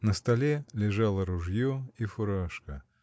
На столе лежало ружье и фуражка.